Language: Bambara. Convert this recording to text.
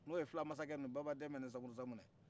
n'o ye fulamasakɛ ninnu baba dɛmɛ ni samuru samunɛ